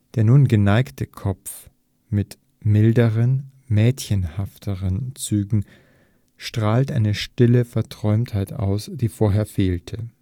Der nun geneigte Kopf mit milderen, mädchenhaften Zügen strahlt eine stillte Verträumtheit aus, die vorher fehlte